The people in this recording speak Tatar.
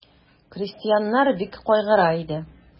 Крестьяннар бик кайгыра иде.